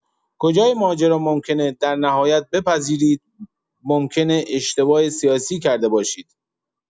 کجای ماجرا ممکنه در نهایت بپذیرید ممکنه اشتباه سیاسی کرده باشید؟